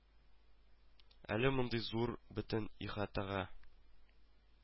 Әле мондый зур, бөтен ихатага